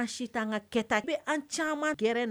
Caman